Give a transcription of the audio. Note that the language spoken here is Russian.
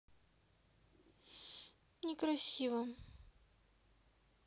некрасиво